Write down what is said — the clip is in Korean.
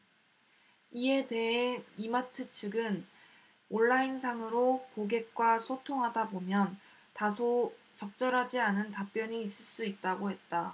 이에 대해 이마트 측은 온라인상으로 고객과 소통하다보면 다소 적절하지 않은 답변이 있을 수 있다고 했다